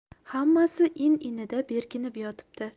hammasi in inida berkinib yotibdi